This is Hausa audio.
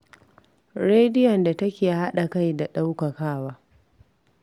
Rediyon da take haɗa kai da ɗaukakawa